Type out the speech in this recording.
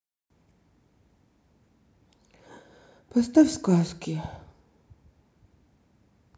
поставь сказки